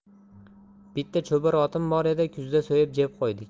bitta cho'bir otim bor edi kuzda so'yib jeb qo'ydik